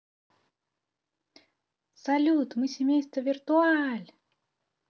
салют мы семейство виртуаль